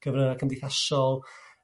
cyfra' cymdeithasol